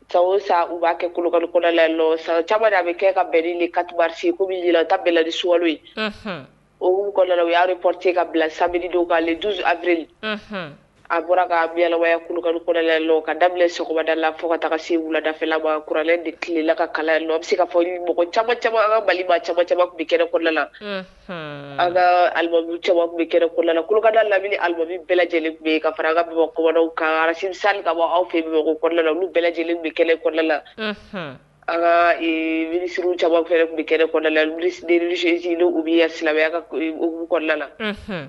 Sa sa u b'a kɛ kuluka kɔnɔnala la sa caman de a bɛ kɛ ka ni katobarisi k'u bɛ a ta bɛɛlali sukalo ye o kɔnɔnana u y'ripte ka bila sabali dɔwale abri a bɔra kayanya kuluka kɔnɔnaɛla ka dabada la fo ka taa se wuladafɛlauranlen de tilelaka kala nɔ a bɛ se ka fɔ mɔgɔ c an ka bali c caman bɛ kɛlɛ kɔnɔna la an ka ali bɛ kɛlakalada laini alibu bɛɛ lajɛlen bɛ ka fara an ka bɔdaw kan arasi sa ka bɔ aw fɛ bɛɛla olu bɛɛ lajɛlen bɛ kɛlɛɛ la an kauru caman fɛ bɛ kɛlɛɛ la sisin u silamɛya kɔnɔna na